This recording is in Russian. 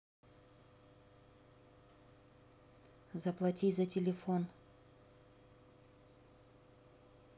заплати за телефон